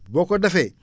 boo ko defee